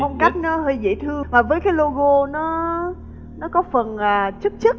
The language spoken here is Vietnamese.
phong cách nó hơi dễ thương và với cái lô gô nó nó có phần là chất chất